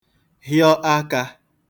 hịọ akā